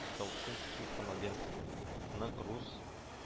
Толчинский һәм агентлыкның рус